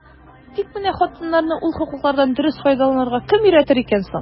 Тик менә хатыннарны ул хокуклардан дөрес файдаланырга кем өйрәтер икән соң?